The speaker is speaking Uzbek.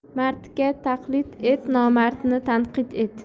mardga taqlid et nomardni tanqid et